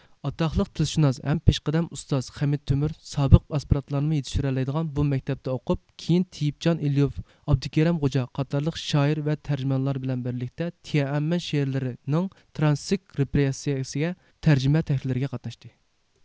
ئاتاقلىق تىلشۇناس ھەم پېشقەدەم ئۇستاز خەمىت تۆمۈر سابىق ئاسپىرانتلارنىمۇ يېتىشتۈرەلەيدىغان بۇ مەكتەپتە ئوقۇپ كىيىن تېيىپچان ئېلىيۇف ئابدۇكېرىم خوجا قاتارلىق شائىر ۋە تەرجىمانلار بىلەن بىرلىكتە تيەنئەنمىن شېئىرلىرى نىڭ ترانسكرېپسىيەسىگە ۋە تەرجىمە تەھرىرلىكىگە قاتناشتى